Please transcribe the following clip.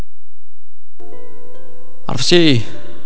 اف جي